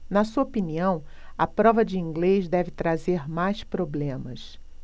na sua opinião a prova de inglês deve trazer mais problemas